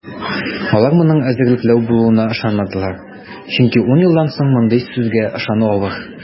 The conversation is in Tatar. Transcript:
Алар моның эзәрлекләү булуына ышанмадылар, чөнки ун елдан соң мондый сүзгә ышану авыр.